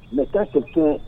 Mais, ça c'est un